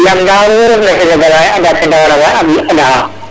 *